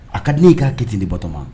A ka di ne ye i k'a kɛ ten de Batoma